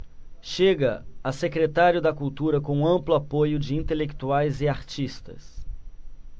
chega a secretário da cultura com amplo apoio de intelectuais e artistas